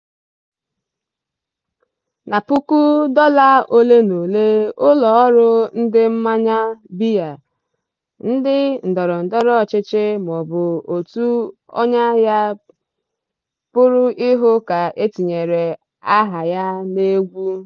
Na puku dollar ole na ole, “ụlọọrụ, ụdị mmanya biya, ndị ndọrọndọrọ ọchịchị, maọbụ otu onyeagha” pụrụ ịhụ ka e tinyere aha ya n’egwu.